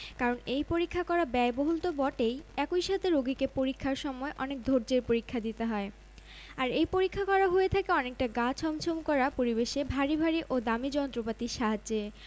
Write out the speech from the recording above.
কারণ এই পরীক্ষা করা ব্যয়বহুল তো বটেই একই সাথে রোগীকে পরীক্ষার সময় অনেক ধৈর্য্যের পরীক্ষা দিতে হয় আর এই পরীক্ষা করা হয়ে থাকে অনেকটা গা ছমছম করা পরিবেশে ভারী ভারী ও দামি যন্ত্রপাতির সাহায্যে